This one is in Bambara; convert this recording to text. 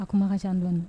A kuma jan dɔɔninɔni